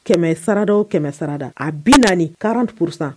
Kɛmɛ sarada kɛmɛ sarada a bi naani karanurusan